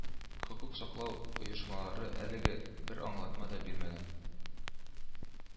Хокук саклау оешмалары әлегә бер аңлатма да бирмәгән